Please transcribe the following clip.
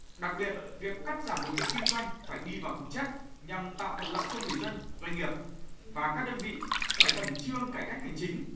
đặc biệt việc cắt giảm điều kiện kinh doanh phải đi vào thực chất nhằm tạo thuận lợi cho người dân doanh nghiệp và các đơn vị phải khẩn trương cải cách hành chính